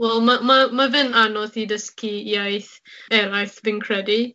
Wel, ma' ma' ma' fe'n anodd i dysgu iaith eraill, fi'n credu.